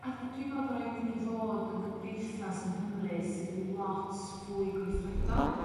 A a dwi me'wl bo' raid i ni fod yn gymdeithas yng Nghymru sydd lot fwy gweithredol